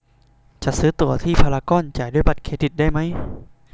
จะซื้อตั๋วที่พารากอนจ่ายด้วยบัตรเครดิตได้ม้้ย